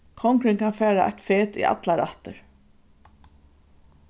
kongurin kann fara eitt fet í allar ættir